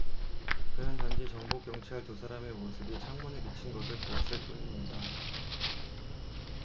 그는 단지 정복 경찰 두 사람의 모습이 창문에 비친 것을 보았을 뿐입니다